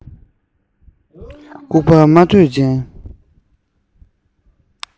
ལྐུགས པ སྨྲ འདོད ཅན